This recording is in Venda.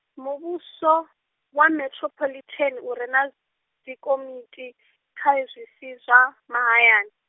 muvhuso, wa meṱirophoḽithen- u re na, dzikomiti, kha zwisi zwa, mahayani.